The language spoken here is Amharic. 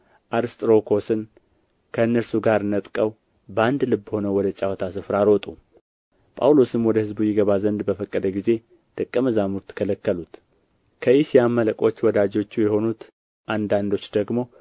አርስጥሮኮስን ከእነርሱ ጋር ነጥቀው በአንድ ልብ ሆነው ወደ ጨዋታ ስፍራ ሮጡ ጳውሎስም ወደ ሕዝቡ ይገባ ዘንድ በፈቀደ ጊዜ ደቀ መዛሙርት ከለከሉት ከእስያም አለቆች ወዳጆቹ የሆኑት አንዳንዶች ደግሞ